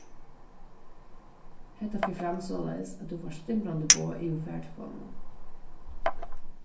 hetta fer fram soleiðis at tú fært stimbrandi boð yvir fartelefonina